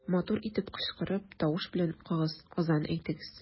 Матур итеп кычкырып, тавыш белән укыгыз, азан әйтегез.